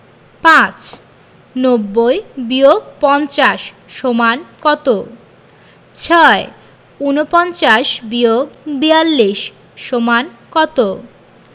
৫ ৯০-৫০ = কত ৬ ৪৯-৪২ = কত